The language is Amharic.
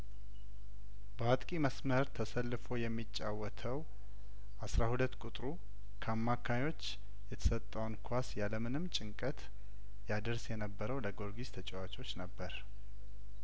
በአጥቂ መስመር ተሰልፎ የሚጫወተው አስራ ሁለት ቁጥሩ ካማ ካዮች የተሰጠውን ኳስ ያለምንም ጭንቀት ያደርስ የነበረው ለጊዮርጊስ ተጫዋቾች ነበር